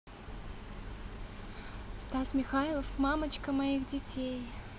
стас михайлов мамочка моих детей